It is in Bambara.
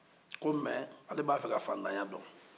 ko mɛ ale b'a fɛ ka faantanya dɔn